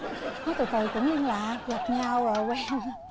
cái từ từ cũng liên lạc gặp nhau rồi quen